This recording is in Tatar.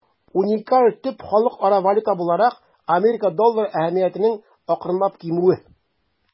Уникаль төп халыкара валюта буларак Америка доллары әһәмиятенең акрынлап кимүе.